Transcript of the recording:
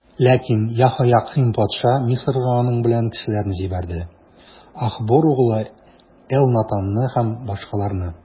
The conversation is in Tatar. Ләкин Яһоякыйм патша Мисырга аның белән кешеләрне җибәрде: Ахбор углы Элнатанны һәм башкаларны.